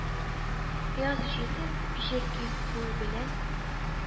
Яз җитеп, җир кибү белән,